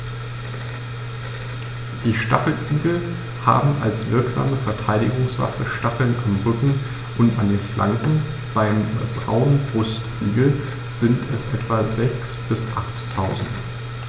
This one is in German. Die Stacheligel haben als wirksame Verteidigungswaffe Stacheln am Rücken und an den Flanken (beim Braunbrustigel sind es etwa sechs- bis achttausend).